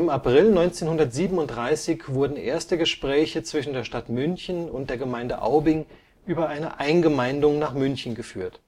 April 1937 wurden erste Gespräche zwischen der Stadt München und der Gemeinde Aubing über eine Eingemeindung nach München geführt